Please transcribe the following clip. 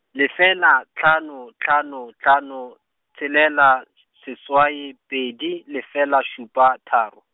lefela, hlano hlano hlano, tshelela, seswai, pedi, lefela šupa, tharo.